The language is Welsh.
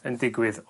yn digwydd